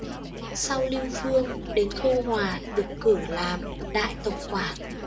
sau lưu phương đến khâu hòa được cử làm đại tổng quản